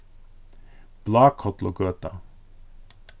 blákollugøta